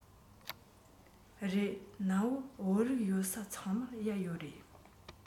རེད གནའ བོའི བོད རིགས ཡོད ས ཚང མར གཡག ཡོད རེད